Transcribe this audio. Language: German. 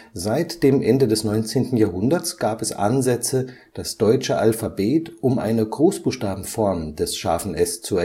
Seit dem Ende des 19. Jahrhunderts gab es Ansätze, das deutsche Alphabet um eine Großbuchstabenform des ß zu ergänzen